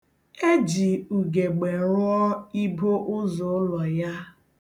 E ji ugegbe rụọ ibo ụzọ ụlọ ya.